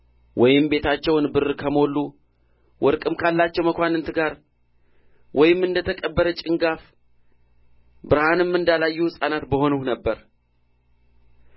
ወይም ቤታቸውን ብር ከሞሉ ወርቅም ካላቸው መኳንንት ጋር ወይም እንደ ተቀበረ ጭንጋፍ ብርሃንም እንዳላዩ ሕፃናት በሆንሁ ነበር